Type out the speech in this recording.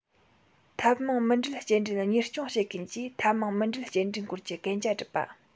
ཐབས མང མུ འབྲེལ སྐྱེལ འདྲེན གཉེར སྐྱོང བྱེད མཁན གྱིས ཐབས མང མུ འབྲེལ སྐྱེལ འདྲེན སྐོར གྱི གན རྒྱ སྒྲུབ པ